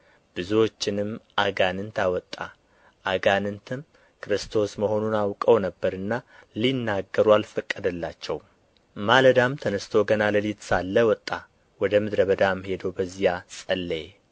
ብዙዎችንም አጋንንት አወጣ አጋንንትም ክርስቶስ መሆኑን አውቀው ነበርና ሊናገሩ አልፈቀደላቸውም ማለዳም ተነሥቶ ገና ሌሊት ሳለ ወጣ ወደ ምድረ በዳም ሄዶ በዚያ ጸለየ